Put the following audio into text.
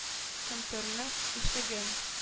Көмпернең ишеген